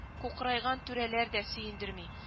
Кукрайган түрәләр дә сөендерми